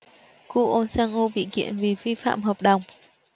kwon sang woo bị kiện vì vi phạm hợp đồng